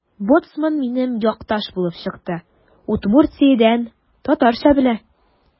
Боцман минем якташ булып чыкты: Удмуртиядән – татарча белә.